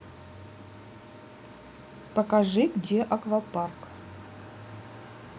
покажи где аквапарк